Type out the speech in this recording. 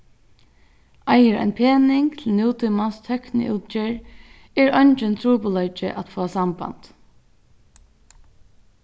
eigur ein pening til nútímans tøkniútgerð er eingin trupulleiki at fáa samband